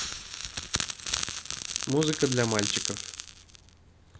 музыка для мальчиков